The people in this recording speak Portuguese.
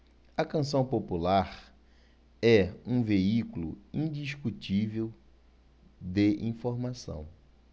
a canção popular é um veículo indiscutível de informação